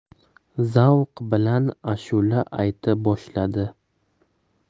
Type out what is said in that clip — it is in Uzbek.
zavq bilan ashula ayta boshladi